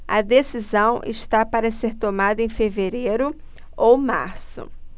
a decisão está para ser tomada em fevereiro ou março